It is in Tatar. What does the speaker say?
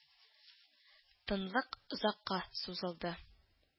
Тынлык озакка сузылды